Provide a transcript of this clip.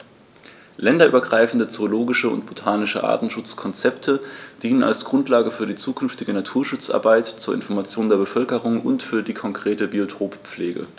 Länderübergreifende zoologische und botanische Artenschutzkonzepte dienen als Grundlage für die zukünftige Naturschutzarbeit, zur Information der Bevölkerung und für die konkrete Biotoppflege.